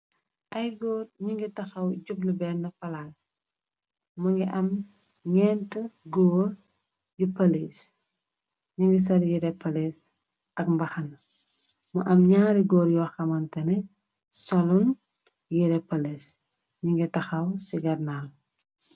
Ay goor nyugi tahaw jublu bena palac mogi am neenti goor yu police nyugi sol yereh police ak mbahana mu am naari goor yu hamanteneh solun yereh police nyugi tahaw si ganaw.